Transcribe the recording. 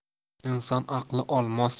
inson aqli olmos